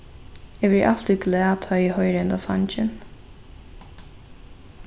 eg verði altíð glað tá ið eg hoyri hendan sangin